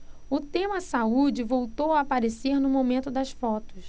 o tema saúde voltou a aparecer no momento das fotos